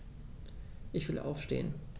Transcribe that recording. Ich will aufstehen.